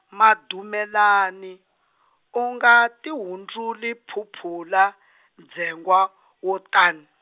Madumelani, u nga tihundzuli phuphula , ndzhengha, wo tani.